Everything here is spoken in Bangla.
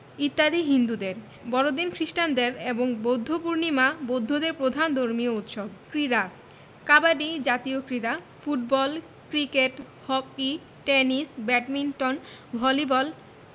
ইত্যাদি হিন্দুদের বড়দিন খ্রিস্টানদের এবং বৌদ্ধপূর্ণিমা বৌদ্ধদের প্রধান ধর্মীয় উৎসব ক্রীড়াঃ কাবাডি জাতীয় ক্রীড়া football cricket hockey tennis badminton volleyball